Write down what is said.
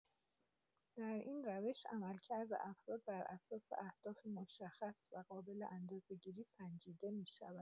در این روش، عملکرد افراد بر اساس اهداف مشخص و قابل اندازه‌گیری سنجیده می‌شود.